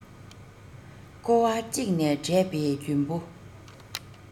ཀོ བ གཅིག ནས དྲས པའི རྒྱུན བུ